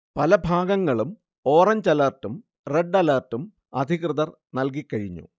പലഭാഗങ്ങളും orange അലർട്ടും, red അലർട്ടും അധികൃതർ നല്കികഴിഞ്ഞു